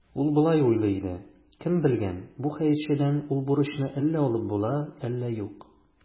Ул болай уйлый иде: «Кем белгән, бу хәерчедән ул бурычны әллә алып була, әллә юк".